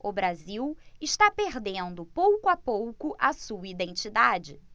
o brasil está perdendo pouco a pouco a sua identidade